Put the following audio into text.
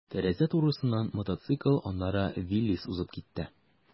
Тәрәзә турысыннан мотоцикл, аннары «Виллис» узып китте.